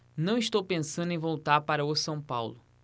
não estou pensando em voltar para o são paulo